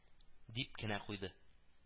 Дип кенә куйды